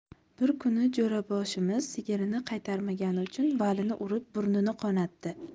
bir kuni jo'raboshimiz sigirini qaytarmagani uchun valini urib burnini qonatdi